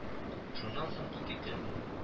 Шуннан соң ике көн